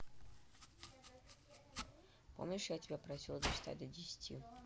помнишь я тебя спросила досчитать до десяти